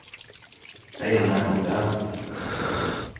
segði hann nakað um tað